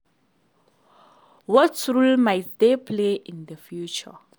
What role might they play in the future?